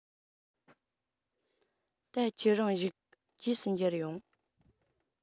ད ཁྱེད རང བཞུགས རྗེས སུ མཇལ ཡོང